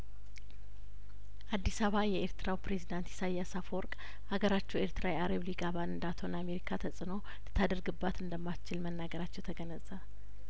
አዲስ አባ የኤርትራው ፕሬዚዳንት ኢሳያስ አፈወርቅ አገራቸው ኤርትራ የአረብ ሊግ አባል እንዳት ሆን አሜሪካ ተጽእኖ ልታደርግባት እንደማትችል መናገራቸው ተገነዘበ